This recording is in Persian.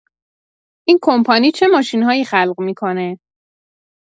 این کمپانی چه ماشین‌هایی خلق می‌کنه